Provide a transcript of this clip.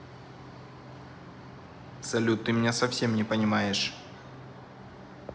салют ты меня совсем не понимаешь